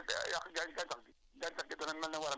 wóor na yàlla bu say te amuloo benn jaalaal bu ko war a yàq rek